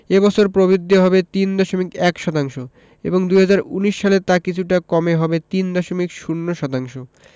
এ বছর প্রবৃদ্ধি হবে ৩.১ শতাংশ এবং ২০১৯ সালে তা কিছুটা কমে হবে ৩.০ শতাংশ